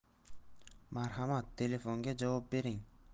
marhamat telefonga javob bering